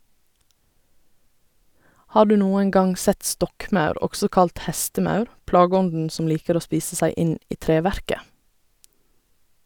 Har du noen gang sett stokkmaur, også kalt hestemaur , plageånden som liker å spise seg inn i treverket?